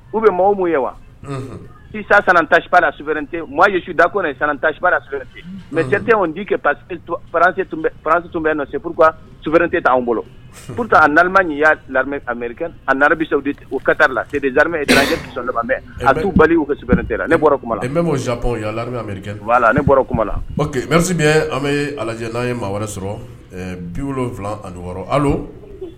U bɛ maaw min ye wa san tasiba la surenti maa yesu san tasiba la mɛ tɛ di kɛzsi tun bɛ nɔ se walasa subren tɛ t'an bolo p ni y' mi aresa u kata la sereme a bali u ka sɛbɛnte la ne bɔra kuma ne bɔra kuma la an lajɛ n'an ye wɛrɛ sɔrɔ bi wolonwula ani wɔɔrɔ